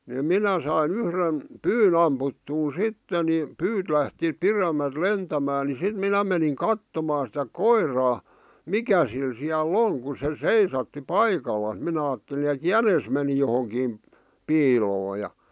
niin minä sain yhden pyyn ammuttua sitten niin pyyt lähti pidemmältä lentämään niin sitten minä menin katsomaan sitä koiraa mikä sillä siellä on kun se seisahti paikallaan minä ajattelin että jänis meni johonkin piiloon ja